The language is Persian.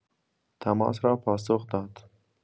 تماس را پاسخ داد.